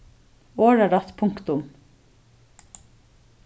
orðarætt punktum